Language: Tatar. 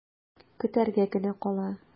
Көтәргә генә кала.